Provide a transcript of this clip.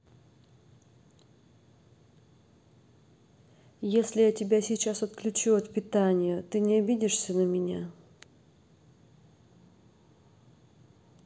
если я тебя сейчас отключу от питания ты не обидишься на меня